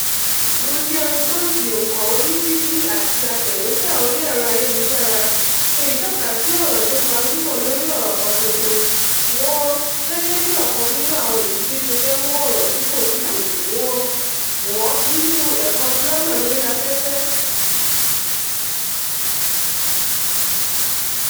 Sue Lyon-Jones, oǹkọ̀wé EFL àti atẹ̀wẹ́tà orí ẹ̀rọ ayélujára, ṣe ìtọ́ka sí ọ̀rọ̀ tó gbajúmọ̀ lóri ọ̀rọ̀ kan ṣoṣo ‘they’ gẹ́gẹ́ bi ọkan nínú àwọn ìdí tí ó ṣe fẹ́ mú ọ̀rọ̀ tí kò níbejì ‘they’ wọ inú ẹ̀kọ́ gírámà lórí afẹ́fẹ́.